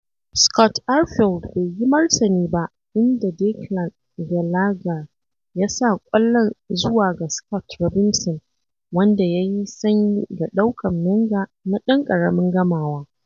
Scott Arfield bai yi martani ba inda Declan Gallagher ya sa ƙwallon zuwa ga Scott Robinson, wanda ya yi sanyi ga ɗaukan Menga na ɗan ƙaramin gamawa.